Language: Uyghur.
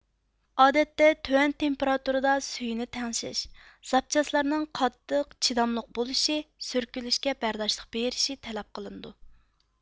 ئادەتتە تۆۋەن تېمپىراتۇرىدا سۈيىنى تەڭشەش زاپچاسلارنىڭ قاتتىق چىداملىق بولۇشى سۈركىلىشكە بەرداشلىق بېرىشى تەلەپ قىلىنىدۇ